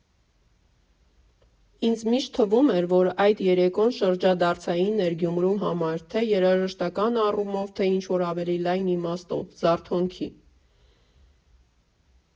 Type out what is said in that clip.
Ինձ միշտ թվում էր, որ այդ երեկոն շրջադարձային էր Գյումրու համար՝ թե երաժշտական առումով, թե ինչ֊որ ավելի լայն իմաստով, զարթոնքի։